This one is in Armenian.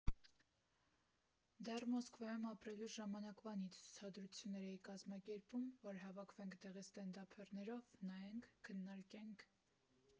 Դեռ Մոսկվայում ապրելուս ժամանակվանից ցուցադրություններ էի կազմակերպում, որ հավաքվենք տեղի ստենդափերներով, նայենք, քննարկենք։